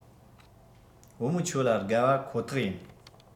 བུ མོ ཁྱོད ལ དགའ བ ཁོ ཐག ཡིན